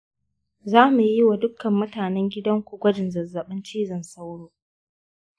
zamu yiwa duka mutanen gidan ku gwajin zazzaɓin cizon sauro.